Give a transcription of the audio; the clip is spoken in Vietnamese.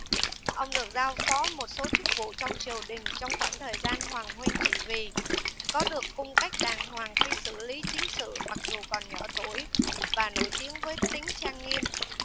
ông được giao phó một số chức vụ trong triều đình trong khoảng thời gian hoàng huynh trị vì có được cung cách đàng hoàng khi xử lý chính sự mặc dù còn nhỏ tuổi và nổi tiếng với tính trang nghiêm